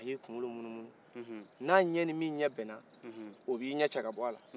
a y'a kunkolo munu-munu n'a ɲɛ ni min ɲɛ bɛna o b'i ɲɛ cɛ kabɔla